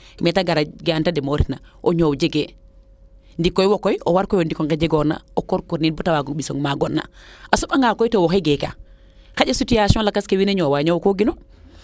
mais te gar ga'a neete demo'oorit na o ñoow jege ndiiki koy wo o war koy o ndikp nge jegoona o waro korkorin bata waago ɓisong ma goɗ na a soɓ ananga koy te waxey geeka xaƴa situation lakas ke wiin we ñoowa ñoow ñoowko gino